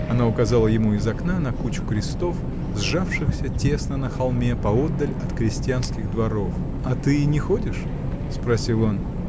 Она указала ему из окна на кучку крестов, сжавшихся тесно на холме, поодаль от крестьянских дворов. — А ты не ходишь? — спросил он.